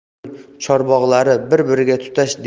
ularning chorbog'lari bir biriga tutash